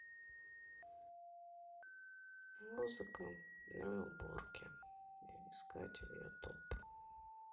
музыка для уборки искать в ютуб